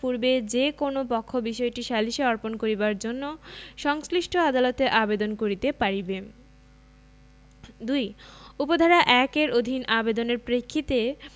পূর্বে যে কোন পক্ষ বিষয়টি সালিসে অর্পণ করিবার জন্য সংশ্লিষ্ট আদালতে আবেদন করিতে পারিবে ২ উপ ধারা ১ এর অধীন আবেদনের প্রেক্ষিতে